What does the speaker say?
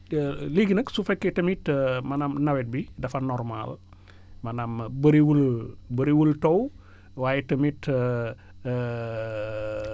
léegi nag su fekkee tamit maanaam nawet bi dafa normal maanaam bariwul bariwul taw waaye tamit